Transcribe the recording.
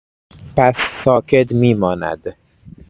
پس ساکت می‌ماند.